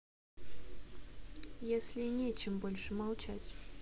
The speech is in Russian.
если не чем больше молчать